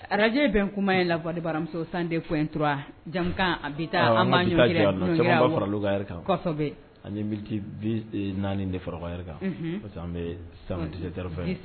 Arajjɛ bɛn kuma ye lawali baramuso sanden fo intura jamukan an bikari kansɔ ani bi naani de fara kan parce que an bɛ san